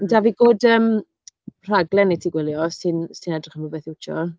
Ma' 'da fi gwd, yym, rhaglen i ti gwylio, os ti'n os ti'n edrych am rywbeth i watsio.